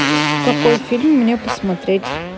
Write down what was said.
какой фильм мне посмотреть